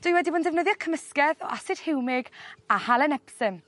Dwi wedi bod yn defnyddio cymysgedd o asid hiwmig a halen epsom.